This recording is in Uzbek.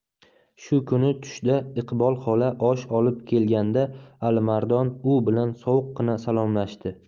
shu kuni tushda iqbol xola osh olib kelganda alimardon u bilan sovuqqina salomlashdi